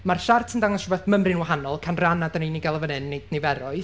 Ma'r siart yn dangos rywbeth mymryn yn wahanol, canrannau dan ni'n ei gael yn fan hyn, nid niferoedd.